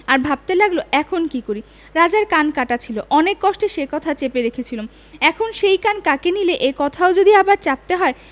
আর ভাবতে লাগল এখন কী করি রাজার কান কাটা ছিল অনেক কষ্টে সে কথা চেপে রেখেছিলুম এখন সেই কান কাকে নিলে এ কথাও যদি আবার চাপতে হয়